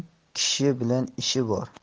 kishi bilan ishi bor